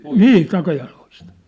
niin takajaloista